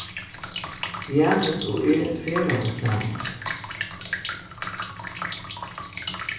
janus og eg ferðaðust saman